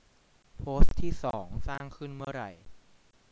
โพสต์ที่สองสร้างขึ้นเมื่อไร